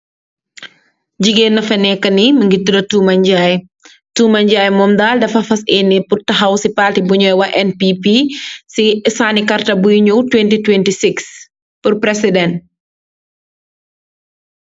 Jigeen nafa nekka ni mogi tuda Tuuma Njie Tuuma Njie moom daal dafa fas eneh purtahaw ci parti bunooy wa NPP ci saani karta buy nyow 2026 pul president.